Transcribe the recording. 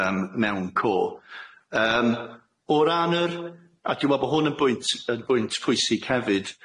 yym mewn co yym. O ran yr a dwi me'wl bo' hwn yn bwynt yn bwynt pwysig hefyd.